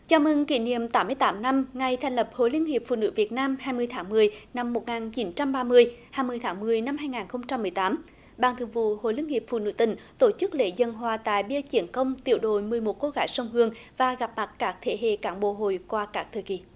chào mừng kỷ niệm tám mươi tám năm ngày thành lập hội liên hiệp phụ nữ việt nam hai mươi tháng mười năm một nghìn chín trăm ba mươi hai mươi tháng mười năm hai nghìn không trăm mười tám ban thường vụ hội liên hiệp phụ nữ tỉnh tổ chức lễ dâng hoa tại bia chiến công tiểu đội mười một cô gái sông hương và gặp mặt các thế hệ cán bộ hội qua các thời kỳ